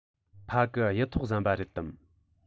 ཕ གི གཡུ ཐོག ཟམ པ རེད དམ